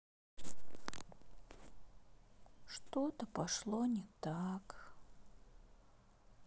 что то пошло не так